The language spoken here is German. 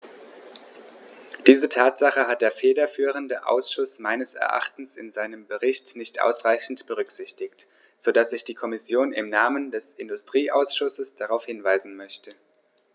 Diese Tatsache hat der federführende Ausschuss meines Erachtens in seinem Bericht nicht ausreichend berücksichtigt, so dass ich die Kommission im Namen des Industrieausschusses darauf hinweisen möchte.